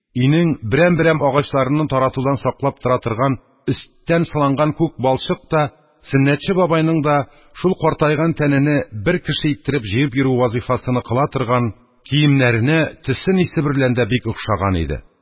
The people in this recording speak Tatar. Өйнең берәм-берәм агачларыны таратудан саклап тора торган, өсттән сылаган күк балчык та Сөннәтче бабайның да шул картайган тәнене бер кеше иттереп җыеп йөртү вазифасыны кыла торган киемнәренә төсе-нисе берлән дә бик охшаган иде.